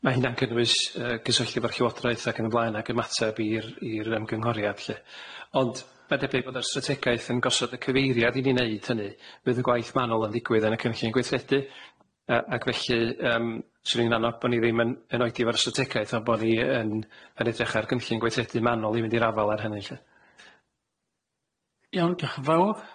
Ma' hynna'n cynnwys yy gysylltu efo'r Llywodraeth ag yn y blaen ag ymateb i'r i'r ymgynghoriad lly ond ma' debyg bod yr strategaeth yn gosod y cyfeiriad i ni wneud hynny fydd y gwaith manwl yn ddigwydd yn y cynllun gweithredu yy ac felly yym swn i'n annog bo' ni ddim yn yn oedi efo'r strategaeth ond bo' ni yn yn edrych ar gynllun gweithredu manwl i mynd i'r afal ar hynny lly. Iawn dioch yn fawr.